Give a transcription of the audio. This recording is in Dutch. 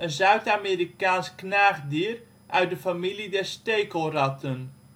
Zuid-Amerikaans knaagdier uit de familie der stekelratten